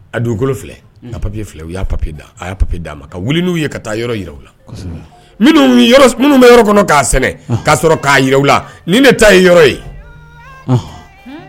A dugukolo filɛ ka papiye filɛ u y'a papi da a y' papi d' a ma ka wuli n'u ye ka taa yɔrɔ yi u la minnu bɛ yɔrɔ kɔnɔ k'a sɛnɛ k'a sɔrɔ k'a yi u la ni ne taa ye yɔrɔ ye